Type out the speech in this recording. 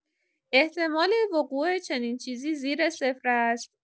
احتمال وقوع چنین چیزی زیر صفر است.